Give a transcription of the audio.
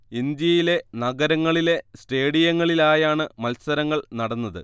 ഇന്ത്യയിലെ നഗരങ്ങളിലെ സ്റ്റേഡിയങ്ങളിലായാണ് മത്സരങ്ങൾ നടന്നത്